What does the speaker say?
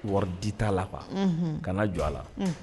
Wari di t' la qu kana jɔ a la